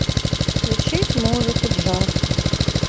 включить музыку джаз